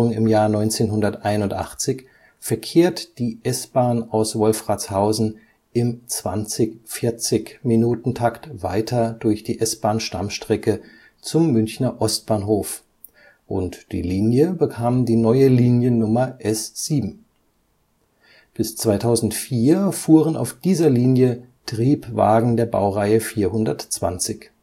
im Jahr 1981 verkehrt die S-Bahn aus Wolfratshausen im 20/40-Minutentakt weiter durch die S-Bahn-Stammstrecke zum Münchner Ostbahnhof und die Linie bekam die neue Liniennummer S7. Bis 2004 fuhren auf dieser Linie Triebwagen der Baureihe 420